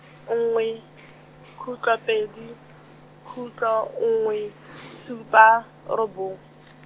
nngwe , khutlo pedi, khutlo, nngwe , supa, robong.